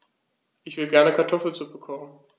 Ich will gerne Kartoffelsuppe kochen.